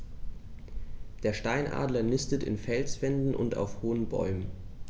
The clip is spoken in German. Der Steinadler nistet in Felswänden und auf hohen Bäumen.